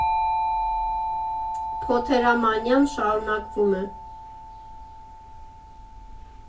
Փոթերամանիան շարունակվում է.